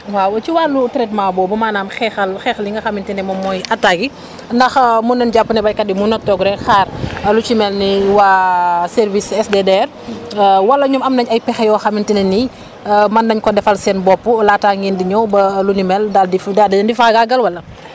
waaw ci wàllu traitement boobu maanaam xeexal xeex li nga xamante ne moom mooy attaques yi ndax mën nañu jàpp ne béykat bi mën na toog rek xaar lu ci mel ne waa service SDDR wala ñoom am nañ ay pexe yoo xamante ne ni mën nañu ko defal seen bopp laata ngeen di ñëw ba lu ni mel daal di fa daal di leen di faagaagal wala